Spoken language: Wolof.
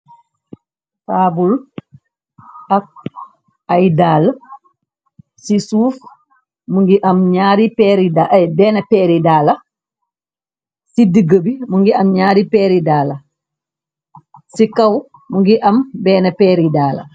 Taabul ak ay daale, ci suuf mingi am ñaari peeri, ey, bena peeri daala, ci digga bi mu ngi am ñaari peeri daala, ci kaw mu ngi am benna peeri daala.